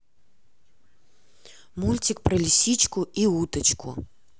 мультик про лисичку и уточку